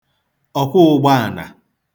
ọ̀kwọụ̄gbāànà